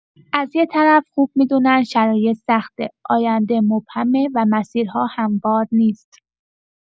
از یه طرف خوب می‌دونن شرایط سخته، آینده مبهمه و مسیرها هموار نیست.